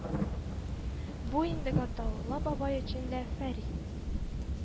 Бу инде Гатаулла бабай өчен дә, Фәрит